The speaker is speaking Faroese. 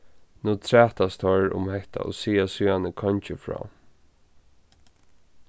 nú trætast teir um hetta og siga síðani kongi frá